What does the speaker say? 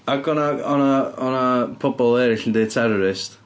Ac oedd 'na oedd 'na oedd 'na pobl eraill yn deud terrorist.